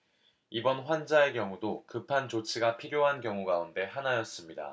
이번 환자의 경우도 급한 조치가 필요한 경우 가운데 하나였습니다